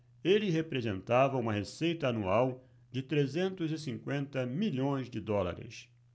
ele representava uma receita anual de trezentos e cinquenta milhões de dólares